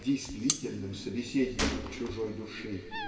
а действительным собеседником чужой души.